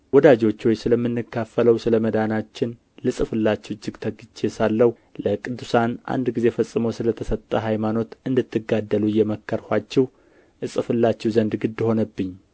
ወዳጆች ሆይ ስለምንካፈለው ስለ መዳናችን ልጽፍላችሁ እጅግ ተግቼ ሳለሁ ለቅዱሳን አንድ ጊዜ ፈጽሞ ስለ ተሰጠ ሃይማኖት እንድትጋደሉ እየመከርኋችሁ እጽፍላችሁ ዘንድ ግድ ሆነብኝ